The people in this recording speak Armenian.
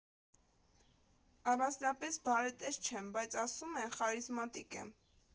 Առանձնապես բարետես չեմ, բայց ասում են՝ խարիզմատիկ եմ։